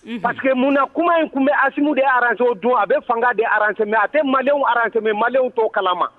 Parce que mun na kuma in tun bɛAsimu de ye arrangé o don, a bɛ fanga de arrangé mais a tɛ maliɲɛnw arrangé, mais maliɲnw t'o kalama.